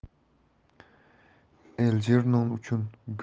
eljernon uchun gullar romani haqida